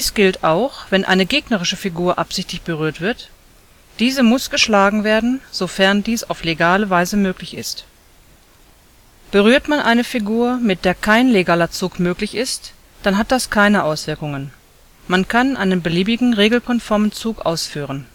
gilt auch, wenn eine gegnerische Figur absichtlich berührt wird – diese muss geschlagen werden, sofern dies auf legale Weise möglich ist. Berührt man eine Figur, mit der kein legaler Zug möglich ist, dann hat das keine Auswirkungen, man kann einen beliebigen regelkonformen Zug ausführen